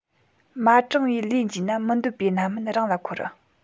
མ དྲང བའི ལས བགྱིས ན མི འདོད པའི རྣམ སྨིན རང ལ འཁོར